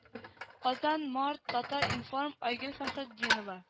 Казан март татар-информ айгөл фәхретдинова